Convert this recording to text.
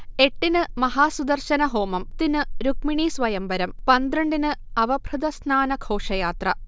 എട്ടിന് മഹാസുദർശനഹോമം, പത്തിന് രുക്മിണീസ്വയംവരം, പന്ത്രണ്ടിന് അവഭൃഥസ്നാന ഘോഷയാത്ര